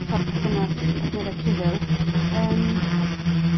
tor perthynas partnerieth sivil. Yym.